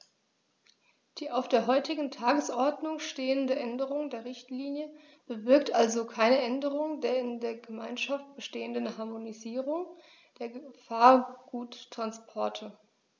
Die auf der heutigen Tagesordnung stehende Änderung der Richtlinie bewirkt also keine Änderung der in der Gemeinschaft bestehenden Harmonisierung der Gefahrguttransporte.